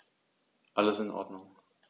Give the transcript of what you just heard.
Alles in Ordnung.